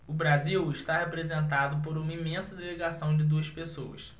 o brasil está representado por uma imensa delegação de duas pessoas